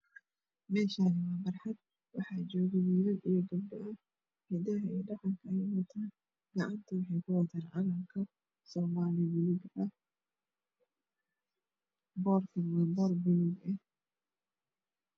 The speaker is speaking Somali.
Meeshaan waa barxad waxaa jooga wiilal iyo gabdho ah hidayo dhaqanka ayay wataan gacanta waxay ku wataan calanka soomaaliya baluug ah boorkana waa boor baluug eh.